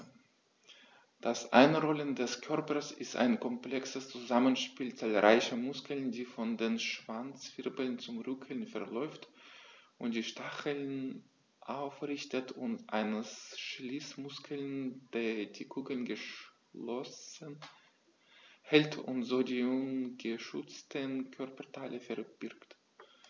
Das Einrollen des Körpers ist ein komplexes Zusammenspiel zahlreicher Muskeln, der von den Schwanzwirbeln zum Rücken verläuft und die Stacheln aufrichtet, und eines Schließmuskels, der die Kugel geschlossen hält und so die ungeschützten Körperteile verbirgt.